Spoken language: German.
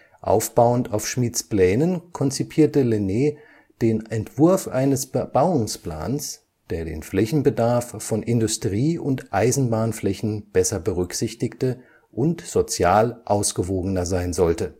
Aufbauend auf Schmids Plänen konzipierte Lenné den Entwurf eines Bebauungsplans, der den Flächenbedarf von Industrie - und Eisenbahnflächen besser berücksichtigte und sozial ausgewogener sein sollte